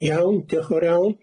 Iawn, diolch yn fawr iawn.